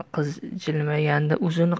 qiz jilmayganida uzun